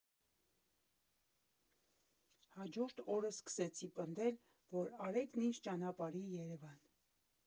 Հաջորդ օրը սկսեցի պնդել, որ Արեգն ինձ ճանապարհի Երևան.